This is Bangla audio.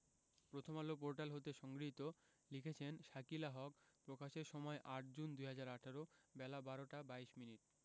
প্রথমআলো পোর্টাল হতে সংগৃহীত লিখেছেন শাকিলা হক প্রকাশের সময় ৮জুন ২০১৮ বেলা ১২টা ২২মিনিট